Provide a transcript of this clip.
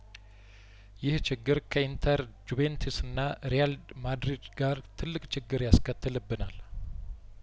ይህ ችግር ከኢንተር ጁቬንትስና ሪያል ማድሪድ ጋር ትልቅ ችግር ያስከትል ብናል